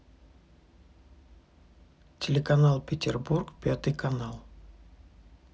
телеканал петербург пятый канал